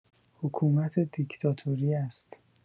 حکومت دیکتاتوری است